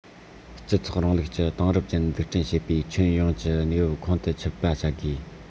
སྤྱི ཚོགས རིང ལུགས ཀྱི དེང རབས ཅན འཛུགས སྐྲུན བྱེད པའི ཁྱོན ཡོངས ཀྱི གནས བབ ཁོང དུ ཆུད པ བྱ དགོས